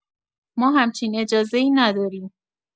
ما همچین اجازه‌ای نداریم